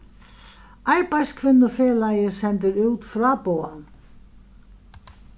arbeiðskvinnufelagið sendir út fráboðan